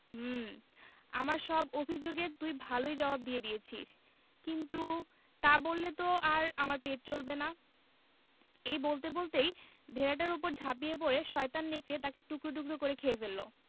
হুম আমার সব অভিযোগ এর তুই ভালই জবাব দিয়ে দিয়েছিস কিন্তু তা বললে তো আর আমার পেট চলবে না এই বলতে বলতেই ভেড়াটার উপর ঝাঁপিয়ে পড়ে শয়তান নেকড়ে তাকে টুকরো টুকরো করে খেয়ে ফেলল